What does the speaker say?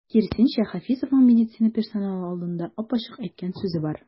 Киресенчә, Хафизовның медицина персоналы алдында ап-ачык әйткән сүзе бар.